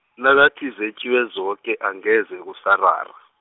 nakathi zetjiwe zoke angeze kusarara.